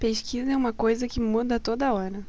pesquisa é uma coisa que muda a toda hora